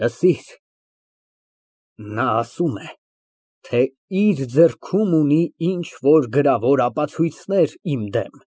Լսիր։ Նա ասում է, թե իր ձեռքում ունի ինչ֊որ գրավոր ապացույցներ իմ դեմ։